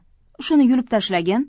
shuni yulib tashlagin